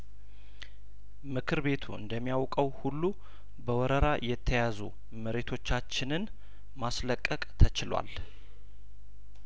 ምክር ቤቱ እንደሚያውቀው ሁሉ በወረራ የተያዙ መሬቶ ቻችንን ማስለቀቅ ተችሏል